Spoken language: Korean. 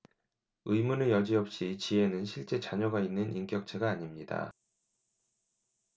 의문의 여지없이 지혜는 실제 자녀가 있는 인격체가 아닙니다